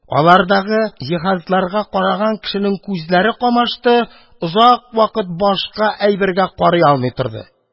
Алардагы җиһазларга караган кешенең күзләре камашты, озак вакыт башка әйбергә карый алмый торды.